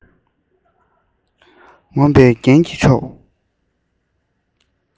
ངོམས པའི རྒྱན གྱི མཆོག